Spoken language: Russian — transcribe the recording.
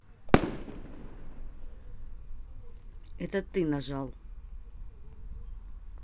это ты нажал